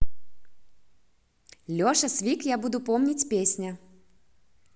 леша свик я буду помнить песня